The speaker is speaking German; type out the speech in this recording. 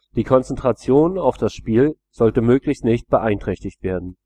Die Konzentration auf das Spiel soll möglichst nicht beeinträchtigt werden